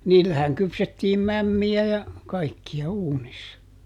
niillähän kypsättiin mämmiä ja kaikkia uunissa